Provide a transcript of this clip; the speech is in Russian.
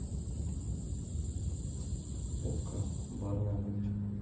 okko бар на грудь